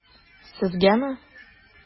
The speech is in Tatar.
Сезгәме?